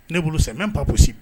Ne bolo sɛ n ba gosisi